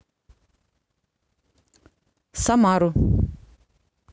самару